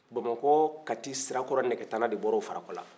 bamakɔ kati sirakɔrɔ negetanna de bɔr'o farakɔ la